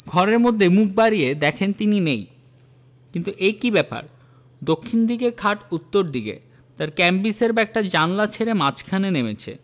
ঘরের মধ্যে মুখ বাড়িয়ে দেখেন তিনি নেই কিন্তু এ কি ব্যাপার দক্ষিণ দিকের খাট উত্তর দিকে তাঁর ক্যাম্বিসের ব্যাগটা জানালা ছেড়ে মাঝখানে নেমেচে